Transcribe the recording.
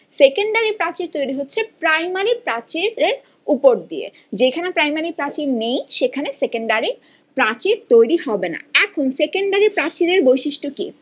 secondary প্রাচীর তৈরি হচ্ছে প্রাইমারি প্রাচীরের উপর দিয়ে যেখানে প্রাইমারি প্রাচীন নেই সেখানে সেকেন্ডারি প্রাচীর তৈরি হবে না এখন সেকেন্ডারি প্রাচীর এর বৈশিষ্ট্য কি